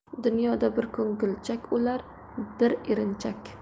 dunyoda bir ko'ngilchak o'lar bir erinchak